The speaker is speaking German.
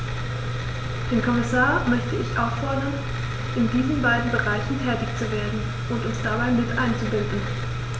Den Kommissar möchte ich auffordern, in diesen beiden Bereichen tätig zu werden und uns dabei mit einzubinden.